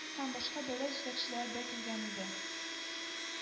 Һәм башка дәүләт җитәкчеләре дә килгән иде